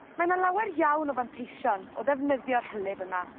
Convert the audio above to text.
Mae 'na lawer iawn o fanteision o ddefnyddio'r hylif yma